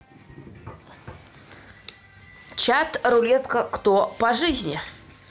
чат рулетка кто по жизни